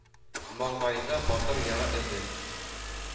Маңгаенда батыр яра эзе